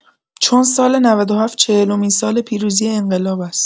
چون سال ۹۷ چهلمین سال پیروزی انقلاب است.